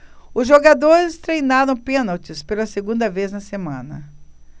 os jogadores treinaram pênaltis pela segunda vez na semana